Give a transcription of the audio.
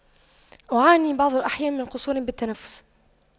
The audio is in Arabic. أعاني بعض الأحيان من قصور بالتنفس